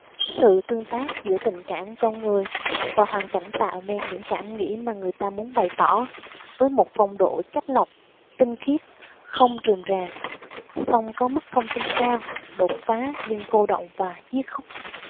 sự tương tác giữa tình cảm con người và hoàn cảnh tạo nên những cảm nghĩ mà người ta muốn bày tỏ với một phong độ chắt lọc tinh khiết không rườm rà song có mức thông tin cao đột phát nhưng cô đọng và chiết khúc